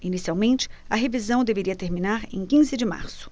inicialmente a revisão deveria terminar em quinze de março